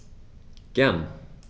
Gern.